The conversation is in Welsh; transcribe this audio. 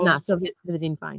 Na, so by- bydde di'n fine.